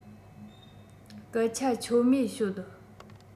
སྐད ཆ ཆོ མེད ཤོད